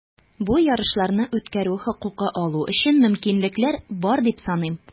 Бу ярышларны үткәрү хокукы алу өчен мөмкинлекләр бар, дип саныйм.